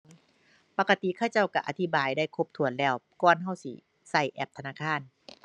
ปกติเขาเจ้าก็อธิบายได้ครบถ้วนแล้ว ก่อนก็สิก็แอปธนาคาร